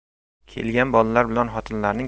kelgan bolalar bilan xotinlarning